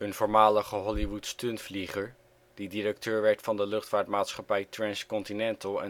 voormalige Hollywood stuntvlieger die directeur werd van de luchtvaartmaatschappij Transcontinental